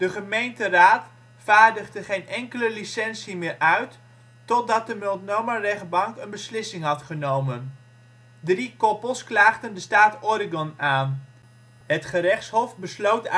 gemeenteraad vaardigde geen enkele licentie meer uit totdat de Multnomah rechtbank een beslissing had genomen. Drie koppels klaagden de staat Oregon aan; het gerechtshof besloot